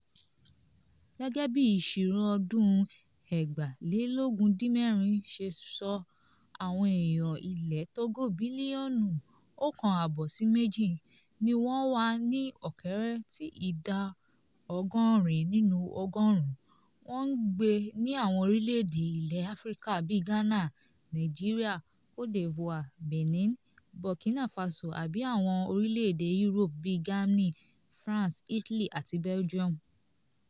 Gẹ́gẹ́ bí ìṣirò ọdún 2016 ṣe sọ, àwọn èèyàn ilẹ̀ Togo mílíọ̀nù 1.5 sí 2 ní wọ́n wà ní òkèèrè, tí ìdá 80 nínú ọgọ́rùn-ún wọn ń gbé ní àwọn orílẹ̀-èdè ilẹ̀ Áfíríkà bíi Ghana, Nigeria, Côte d'Ivoire, Benin, Burkina Faso, àbí àwọn orílẹ̀-èdè Europe bíi Germany, France, Italy àti Belgium.